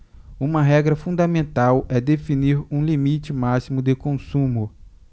uma regra fundamental é definir um limite máximo de consumo